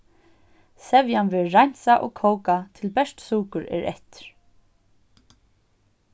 sevjan verður reinsað og kókað til bert sukur er eftir